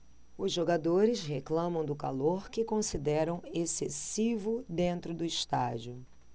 os jogadores reclamam do calor que consideram excessivo dentro do estádio